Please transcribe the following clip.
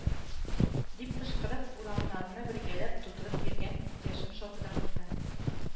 Дип кычкырып, урамнарны бергәләп тутырып йөргән иптәшем шылтыратты